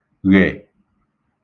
ghè